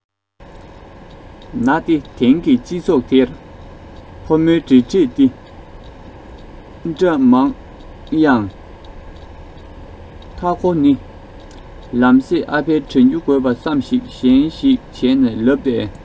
འོན ཏེ དེང གི སྤྱི ཚོགས དེར ཕོ མོའི འབྲེལ འདྲིས འདི འདྲ མང ཡང མཐའ ཁོ ནི ལམ སེང ཨ ཕའི དྲན རྒྱུ དགོས པ བསམ གཞིག གཞན ཞིག བྱས ན ལབ པས